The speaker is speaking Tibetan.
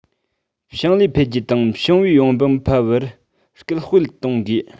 ཞིང ལས འཕེལ རྒྱས དང ཞིང པའི ཡོང འབབ འཕར བར སྐུལ སྤེལ གཏོང དགོས